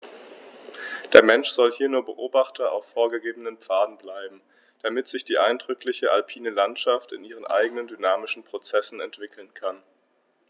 Der Mensch soll hier nur Beobachter auf vorgegebenen Pfaden bleiben, damit sich die eindrückliche alpine Landschaft in ihren eigenen dynamischen Prozessen entwickeln kann.